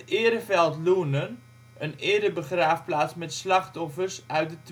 Ereveld Loenen, een erebegraafplaats met slachtoffers uit